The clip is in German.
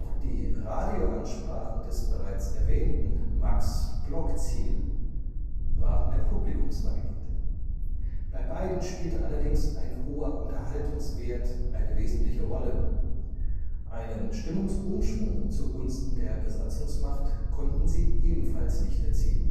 die Radioansprachen des bereits erwähnten Max Blokzijl waren ein Publikumsmagnet. Bei beiden spielte allerdings ein hoher Unterhaltungswert eine wesentliche Rolle, einen Stimmungsumschwung zugunsten der Besatzungsmacht konnten sie ebenfalls nicht erzielen